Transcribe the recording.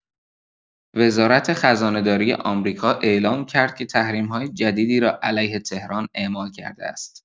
وزارت خزانه‌داری آمریکا اعلام کرد که تحریم‌های جدیدی را علیه تهران اعمال کرده است.